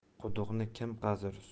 quduqni kim qazir